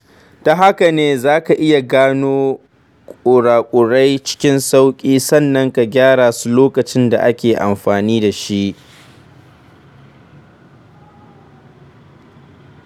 Ta haka ne za ka iya gano kurakurai cikin sauƙi, sannan ka gyara su a lokacin da ake amfani da shi.